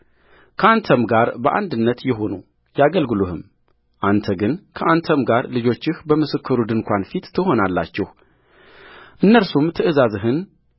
ከአንተም ጋር በአንድነት ይሁኑ ያገልግሉህም አንተ ግን ከአንተም ጋር ልጆችህ በምስክሩ ድንኳን ፊት ትሆናላችሁእነርሱም ትእዛዝህን